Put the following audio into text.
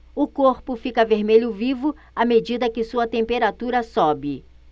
o corpo fica vermelho vivo à medida que sua temperatura sobe